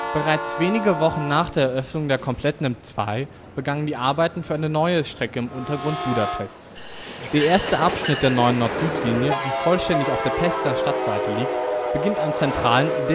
Bereits wenige Wochen nach der Eröffnung der kompletten M2 begannen die Arbeiten für eine neue Strecke im Untergrund Budapests. Der erste Abschnitt der neuen Nord-Süd-Linie, die vollständig auf der Pester Stadtseite liegt, beginnt am zentralen